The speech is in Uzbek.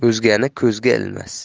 o'zgani ko'zga ilmas